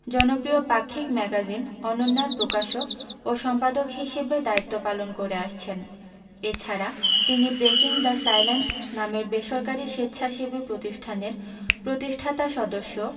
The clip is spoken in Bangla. জনপ্রিয় পাক্ষিক ম্যাগাজিন অনন্যা র প্রকাশক ও সম্পাদক হিসেবে দায়িত্ব পালন করে আসছেন এ ছাড়া তিনি ব্রেকিং দ্য সাইলেন্স নামের বেসরকারি স্বেচ্ছাসেবী প্রতিষ্ঠানের প্রতিষ্ঠাতা সদস্য